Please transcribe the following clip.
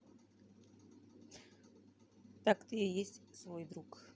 так ты есть свой друг